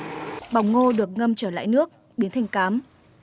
bỏng ngô được ngâm trở lại nước biến thành cám